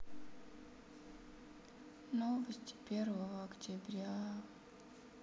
новости первого октября